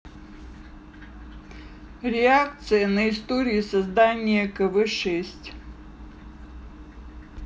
реакция на истории создания кв шесть